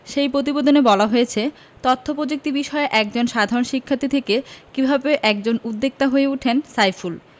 সেই পতিবেদনে বলা হয়েছে তথ্যপযুক্তি বিষয়ের একজন সাধারণ শিক্ষার্থী থেকে কীভাবে একজন উদ্যোক্তা হয়ে ওঠেন সাইফুল